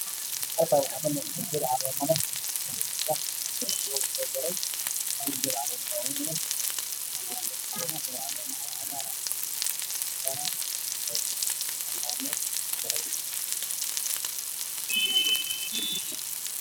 Waa geed caleemo dhaadheer oo ubax